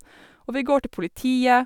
Og vi går til politiet.